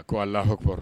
A ko Alahu akibaru